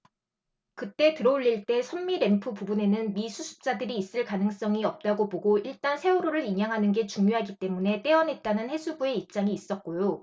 그때 들어올릴 때 선미 램프 부분에는 미수습자들이 있을 가능성이 없다고 보고 일단 세월호를 인양하는 게 중요하기 때문에 떼어냈다는 해수부의 입장이 있었고요